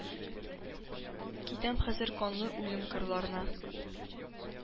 Китәм хәзер канлы үлем кырларына!